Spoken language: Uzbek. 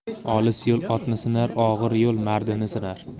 olis yo'l otni sinar og'ir yo'l mardni sinar